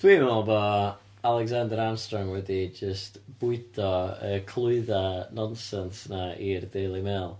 Dwi'n meddwl bod Alexander Armstrong wedi jyst bwydo y clwyddau nonsens yma i'r Daily Mail.